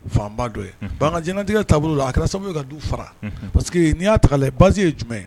Fanba dɔ ye unhun bon an ŋa diɲɛnatigɛ taabolo la a kɛra sababu ye ka duw fara unhun parce que n'i y'a ta k'a layɛ ye base ye jumɛn ye